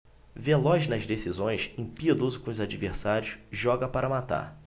veloz nas decisões impiedoso com os adversários joga para matar